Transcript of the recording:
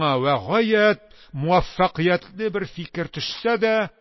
Вә гаять муаффәкыятьле бер фикер төшсә дә